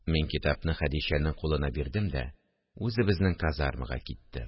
Мин китапны Хәдичәнең кулына бирдем дә үзебезнең казармага киттем